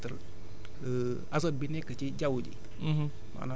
da koy permettre azote bi nekk ci jaww ji